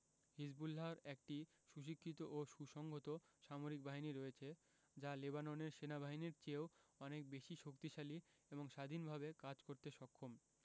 হিজবুল্লাহর একটি সুশিক্ষিত ও সুসংহত সামরিক বাহিনী রয়েছে যা লেবাননের সেনাবাহিনীর চেয়েও অনেক বেশি শক্তিশালী এবং স্বাধীনভাবে কাজ করতে সক্ষম